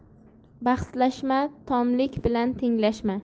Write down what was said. tomlik bilan tenglashma